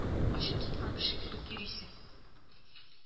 Ачу тоткан кеше кебек йөрисең